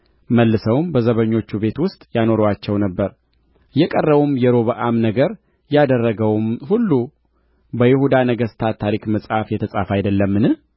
መልሰውም በዘበኞች ቤት ውስጥ ያኖሩአቸው ነበር የቀረውም የሮብዓም ነገር ያደረገውም ሁሉ በይሁዳ ነገሥታት ታሪክ መጽሐፍ የተጻፈ አይደለምን